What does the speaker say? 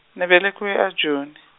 ni velekiwe eJoni.